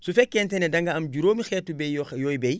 su fekkente ne da nga am juróomi xeetu bay yoo xa yooy bay